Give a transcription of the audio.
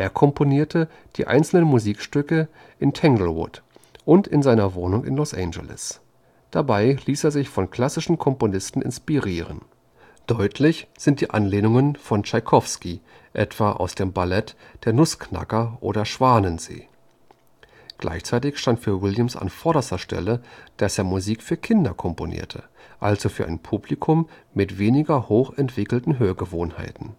komponierte die einzelnen Musikstücke in Tanglewood und in seiner Wohnung in Los Angeles. Dabei ließ er sich von klassischen Komponisten inspirieren. Deutlich sind die Anlehnungen von Tschaikowski, etwa aus den Balletten Der Nussknacker oder Schwanensee. Gleichzeitig stand für Williams an vorderster Stelle, dass er Musik für Kinder komponierte, also für ein Publikum mit weniger hoch entwickelten Hörgewohnheiten